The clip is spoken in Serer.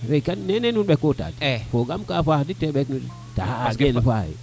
rekat nene nu ɓekoor ta fogam ka faax de ten taxu ten ɓekaxam te kon kay faxe